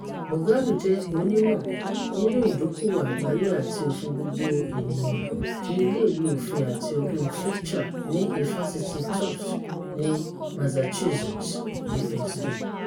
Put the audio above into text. Moghalu jẹ́ onímọ̀ nínú ìdókòwò àgbáyé àti òfin gbogbo ènìyàn ní ilé ìwé Òfin àti Ọgbọ́n Fletcher ní Ifásitì Tufts ní Massachusetts, USA.